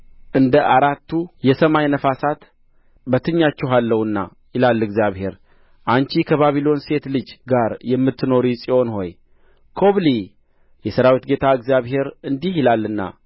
እንደ አራቱ የሰማይ ነፍሳት በትኛችኋለሁና ይላል እግዚአብሔር አንቺ ከባቢሎን ሴት ልጅ ጋር የምትኖሪ ጽዮን ሆይ ኰብልዪ የሠራዊት ጌታ እግዚአብሔር እንዲህ ይላልና